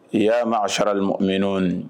I y'a ma a saraminɛ